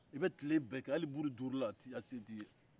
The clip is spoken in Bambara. i bɛ tile bɛɛ kɛ hali buuru duuru la a se t'i ye